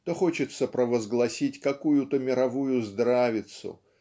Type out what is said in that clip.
то хочется провозгласить какую-то мировую здравицу